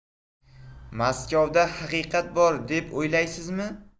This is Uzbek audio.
maskovda haqiqat bor deb o'ylaysizmi